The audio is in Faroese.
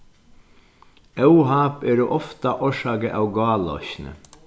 óhapp eru ofta orsakað av gáloysni